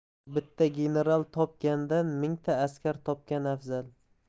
bitta general topgandan mingta askar topgan afzal